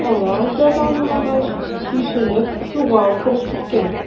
Алай да тынмагач, чишенеп, суга ук кереп киткән.